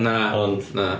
Na... Ond... Na.